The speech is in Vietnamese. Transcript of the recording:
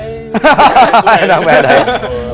những